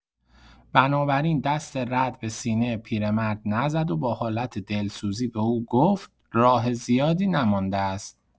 بنابراین دست رد به سینه پیرمرد نزد و با حالت دلسوزی به او گفت: «راه زیادی نمانده است.»